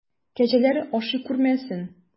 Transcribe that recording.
Кәҗәләр ашый күрмәсен!